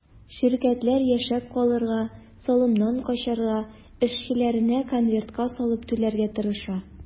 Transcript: Ширкәтләр яшәп калырга, салымнан качарга, эшчеләренә конвертка салып түләргә тырыша.